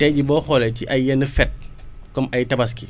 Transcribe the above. tey jii boo xoolee ci ay yenn fête comme ay tabaski